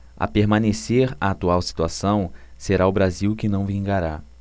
a permanecer a atual situação será o brasil que não vingará